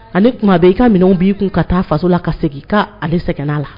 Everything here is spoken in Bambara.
A kuma bɛ i ka minɛn b'i kun ka taa faso la ka segin i ka ale sɛgɛnna la